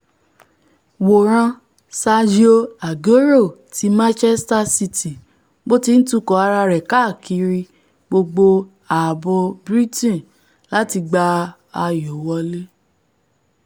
Wòran: Sergio Aguero ti Manchester City bóti ńtukọ̀ ara rẹ káàkiri gbogbo àabo Brighton láti gbá ayò wọlé